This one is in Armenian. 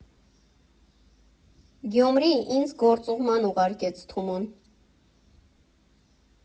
Գյումրի ինձ գործուղման ուղարկեց Թումոն։